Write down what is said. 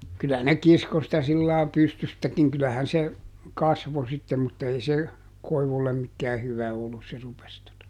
kyllä ne kiskoi sitä sillä lailla pystystäkin kyllähän se kasvoi sitten mutta ei se koivulle mikään hyvä ollut se rupesi tuota